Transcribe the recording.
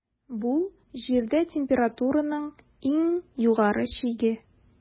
Бу - Җирдә температураның иң югары чиге.